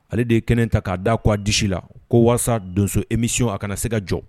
Ale de ye kɛnɛ ta k'a d da k'a disi la ko walasa donso emiy a kana na se ka jɔ